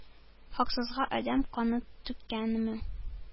Хаксызга адәм каны түккәнемә!